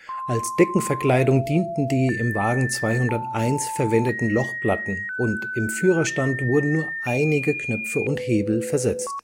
Als Deckenverkleidung dienten die im Wagen 201 verwendeten Lochplatten und im Führerstand wurden nur einige Knöpfe und Hebel versetzt